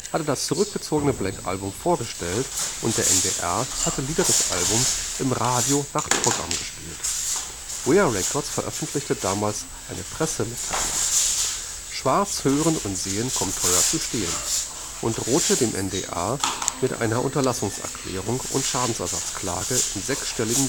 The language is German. das zurückgezogene Black Album vorgestellt und der NDR hatte Lieder des Albums im Radio-Nachtprogramm gespielt. WEA Records veröffentlichte damals eine Pressemitteilung „ Schwarz Hören & Sehen kommt teuer zu stehen! “und drohte dem NDR mit einer Unterlassungserklärung und Schadenersatzklage in sechsstelliger